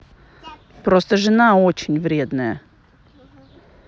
просто жена очень вредная